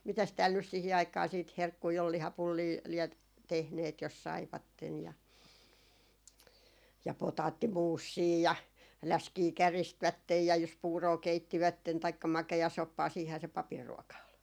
mitäs täällä nyt siihen aikaan sitten herkkuja oli lihapullia lie tehneet jos saivat ja ja potaattimuusia ja läskiä käristivät ja jos puuroa keittivät taikka makeasoppaa siinähän se papin ruoka oli